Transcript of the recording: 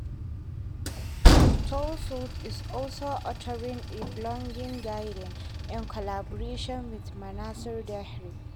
Théophile is also authoring a blogging guide in collaboration with Manasseh Deheer.